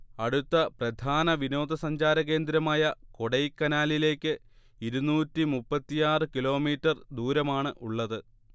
അടുത്ത പ്രധാന വിനോദസഞ്ചാരകേന്ദ്രമായ കൊടൈക്കനാലിലേക്ക് ഇരുന്നൂറ്റി മുപ്പത്തിയാറ് കിലോമീറ്റർ ദൂരമാണ് ഉള്ളത്